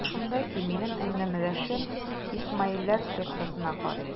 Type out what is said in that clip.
Эш шунда ки, минем әңгәмәдәшем исмаилләр сектасына карый.